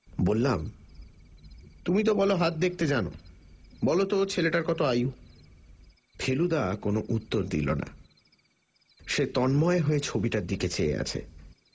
বললাম তুমি তো বল হাত দেখতে জান বলতো ছেলেটার কত আয়ু ফেলুদা কোনও উত্তর দিল না সে তন্ময় হয়ে ছবিটার দিকে চেয়ে আছে